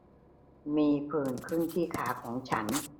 มีผื่นขึ้นที่ขาของฉัน